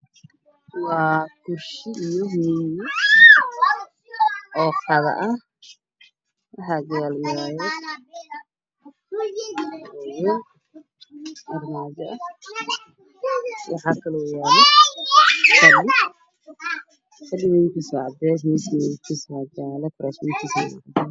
Waxaa ii muuqda qol ayaaalaan kuraas miisaas armaajooyin waxaanu ku xiran daahyo midabkoodu yahay jaalle